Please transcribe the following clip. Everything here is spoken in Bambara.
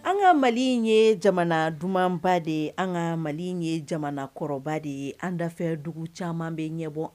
An ka mali ye jamana dumanba de ye an ka mali ye jamana kɔrɔba de ye andafɛ dugu caman bɛ ɲɛ bɔ